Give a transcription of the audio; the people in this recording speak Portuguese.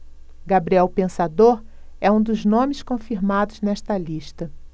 gabriel o pensador é um dos nomes confirmados nesta lista